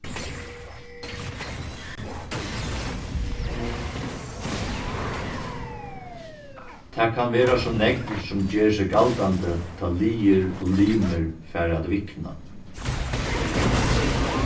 tað kann vera so nógv sum ger seg galdandi tá liðir og limir fara at vikna